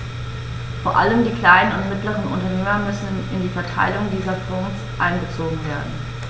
Vor allem die kleinen und mittleren Unternehmer müssen in die Verteilung dieser Fonds einbezogen werden.